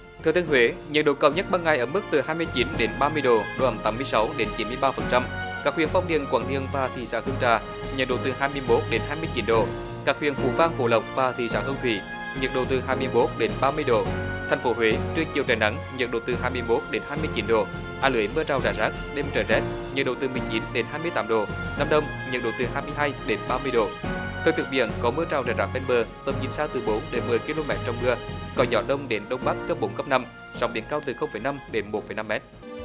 thừa thiên huế nhiệt độ cao nhất ban ngày ở mức từ hai mươi chín đến ba mươi độ độ ẩm tám mươi sáu đến chín mươi ba phần trăm các huyện phong điền quảng điền và thị xã hương trà nhiệt độ từ hai mươi mốt đến hai mươi chín độ các huyện phú vang phú lộc và thị xã hương thủy nhiệt độ từ hai mươi mốt đến ba mươi độ thành phố huế trưa chiều trời nắng nhiệt độ từ hai mươi bốn đến hai mươi chín độ a lưới mưa rào rải rác đêm trời rét nhiệt độ từ mười chín đến hai mươi tám độ lam đông nhiệt độ từ hai mươi hai đến ba mươi độ thời tiết biển có mưa rào rải rác ven bờ tầm nhìn xa từ bốn đến mười ki lô mét trong mưa có gió đông đến đông bắc cấp bốn cấp năm sóng biển cao từ không phẩy năm điểm một phẩy năm mét